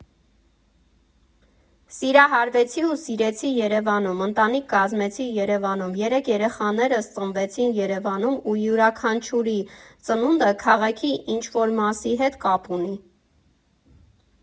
Սիրահարվեցի ու սիրեցի Երևանում, ընտանիք կազմեցի Երևանում, երեք երեխաներս ծնվեցին Երևանում ու յուրաքանչյուրի ծնունդը քաղաքի ինչ֊որ մասի հետ կապ ունի։